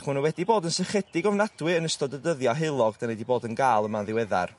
ac ma' n'w wedi bod yn sychedig ofnadwy yn ystod y dyddia heulog 'dan nei 'di bod yn ga'l yma'n ddiweddar.